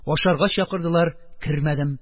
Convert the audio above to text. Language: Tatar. Ашарга чакырдылар - кермәдем.